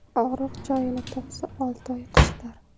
og'riq joyini topsa olti oy qishlar